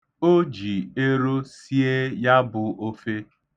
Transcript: O ji ero sie ya bụ ofe.